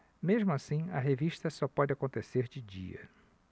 mesmo assim a revista só pode acontecer de dia